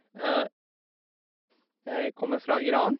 Jeg kommer fra Iran.